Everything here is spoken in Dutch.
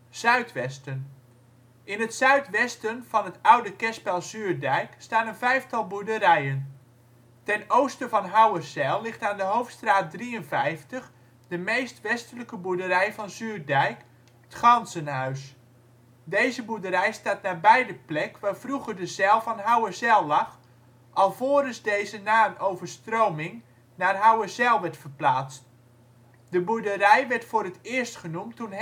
In het zuidwesten van het oude kerspel Zuurdijk staan een vijftal boerderijen. Ten oosten van Houwerzijl ligt aan de Hoofdstraat 53 (noordzijde) de meest westelijke boerderij van Zuurdijk, ' t Ganzenhuis (of ' t Gansehuis). Deze boerderij staat nabij de plek waar vroeger de zijl van Houwerzijl lag alvorens deze na een overstroming naar Houwerzijl werd verplaatst. De boerderij werd voor het eerst genoemd toen